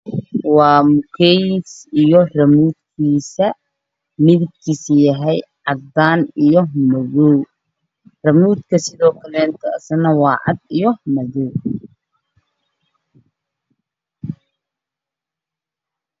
Waxaa ii muuqda mukayf midabkiisu yahay cadaan soo saaran miis waxaa ag yaalla rumuut